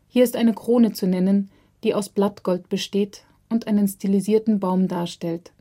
Hier ist eine Krone zu nennen, die aus Blattgold besteht und einen stilisierten Baum darstellt